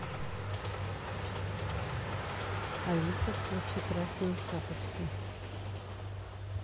алиса включи красную шапочку